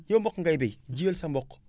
yow mboq ngay bay jiyal sa mboq